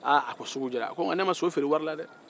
aaa a ko sugu diyara a ko nka ne ma so feere wari la dɛ